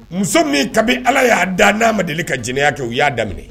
Muso min kabi ala y'a da n'a ma deli ka jɛnɛ kɛ u y'a daminɛ